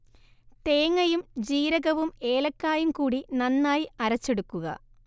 തേങ്ങയും ജീരകവും ഏലയ്ക്കായും കൂടി നന്നായി അരച്ചെടുക്കുക